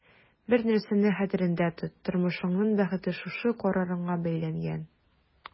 Бер нәрсәне хәтерендә тот: тормышыңның бәхете шушы карарыңа бәйләнгән.